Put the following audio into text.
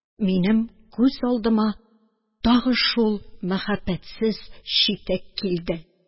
Минем күз алдыма тагы шул мәхәббәтсез читек килде